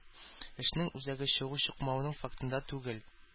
Эшнең үзәге чыгу-чыкмауның фактында түгел.